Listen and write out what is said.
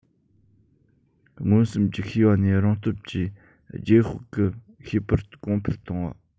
མངོན སུམ གྱི ཤེས པ ནས རང སྟོབས ཀྱིས རྗེས དཔག གི ཤེས པར གོང འཕེལ བཏང བ